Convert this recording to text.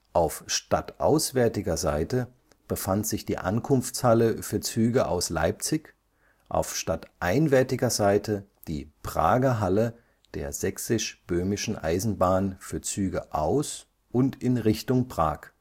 Auf stadtauswärtiger Seite befand sich die Ankunftshalle für Züge aus Leipzig, auf stadteinwärtiger Seite die Prager Halle der Sächsisch-Böhmischen Eisenbahn für Züge aus und in Richtung Prag